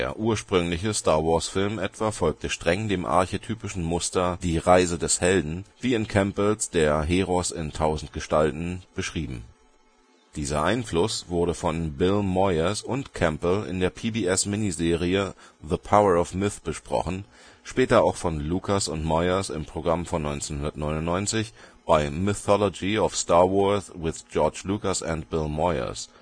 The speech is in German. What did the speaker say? ursprüngliche Star-Wars-Film etwa folgte streng dem archetypischen Muster „ Die Reise des Helden “, wie in Campbells Der Heros in tausend Gestalten beschrieben. Dieser Einfluss wurde von Bill Moyers und Campbell in der PBS-Mini-Serie The Power of Myth besprochen, später auch von Lucas und Moyers im Programm von 1999 bei Mythology of Star Wars with George Lucas & Bill Moyers